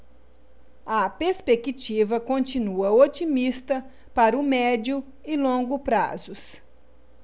a perspectiva continua otimista para o médio e longo prazos